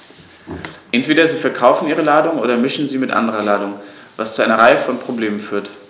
Entweder sie verkaufen ihre Ladung oder mischen sie mit anderer Ladung, was zu einer Reihe von Problemen führt.